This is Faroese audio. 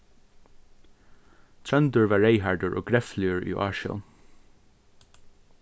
tróndur var reyðhærdur og grefligur í ásjón